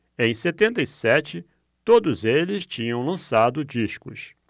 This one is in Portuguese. em setenta e sete todos eles tinham lançado discos